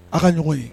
Aw ka ɲɔgɔn ye